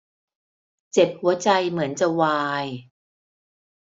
เจ็บหัวใจเหมือนจะวาย